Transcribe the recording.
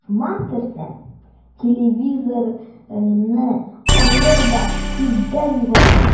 Дошман керсә, телевизорыңны алыр да күздән югалыр.